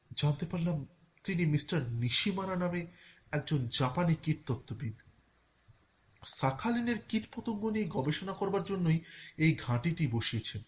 জানতে পারলাম তিনি মিস্টার নিশিমারা নামে একজন জাপানি কীটতত্ত্ববিদ শাখালিন এর কীটপতঙ্গ নিয়ে গবেষণা করবার জন্য এই ঘাটটি বসিয়েছেন